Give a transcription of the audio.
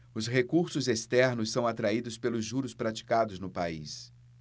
os recursos externos são atraídos pelos juros praticados no país